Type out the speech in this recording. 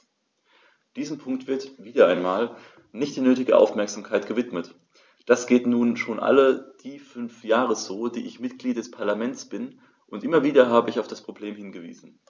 Diesem Punkt wird - wieder einmal - nicht die nötige Aufmerksamkeit gewidmet: Das geht nun schon all die fünf Jahre so, die ich Mitglied des Parlaments bin, und immer wieder habe ich auf das Problem hingewiesen.